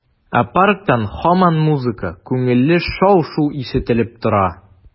Ә парктан һаман музыка, күңелле шау-шу ишетелеп тора.